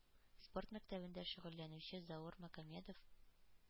Спорт мәктәбендә шөгыльләнүче заур магомедов